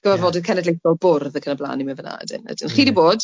cyfarfodydd cenedlaethol bwrdd ac yn y blan ni mynd fan'na ydyn ydyn, chi 'di bod?